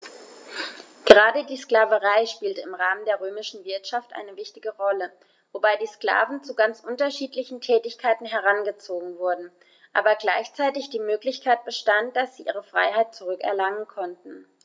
Gerade die Sklaverei spielte im Rahmen der römischen Wirtschaft eine wichtige Rolle, wobei die Sklaven zu ganz unterschiedlichen Tätigkeiten herangezogen wurden, aber gleichzeitig die Möglichkeit bestand, dass sie ihre Freiheit zurück erlangen konnten.